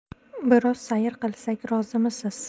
biroz sayr qilsak rozimisiz